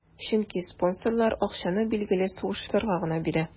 Чөнки спонсорлар акчаны билгеле сугышчыларга гына бирә.